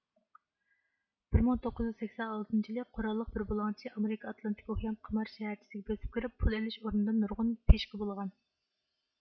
بىر مىڭ توققۇز يۈز سەكسەن ئالتىنچى يىلى قوراللىق بىر بۇلاڭچى ئامېرىكا ئاتلانتىك ئوكيان قىمار شەھەرچىسىگە بۆسۈپ كىرىپ پۇل ئېلىش ئورنىدىن نۇرغۇن فىشكا بۇلىغان